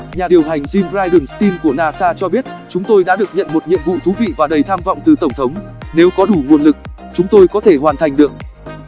nhà điều hành jim bridenstine của nasa cho biết chúng tôi đã được nhận một nhiệm vụ thú vị và đầy tham vọng từ tổng thống nếu có đủ nguồn lực chúng tôi có thể hoàn thành được